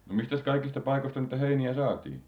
no mistäs kaikista paikoista niitä heiniä saatiin